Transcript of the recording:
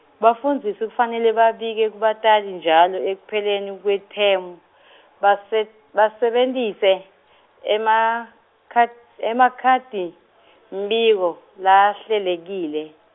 bafundzisi kufanele babike kubatali njalo ekupheleni kwethemu , base- basebentise, emakhad- emakhadi , mbiko lahlelekile.